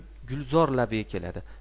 gulzor labiga keladi